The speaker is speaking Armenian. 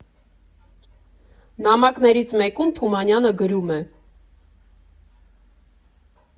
Նամակներից մեկում Թումանյանը գրում է՝ «…